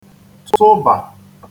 tụbà